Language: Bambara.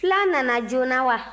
filan nana joona wa